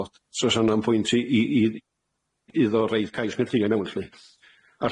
So 'sa 'na'm pwynt i i iddo roid cais cynllunio i mewn 'lly.